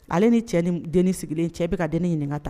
Ale ni cɛ ni m deni sigilen cɛ beka deni ɲiniŋa tan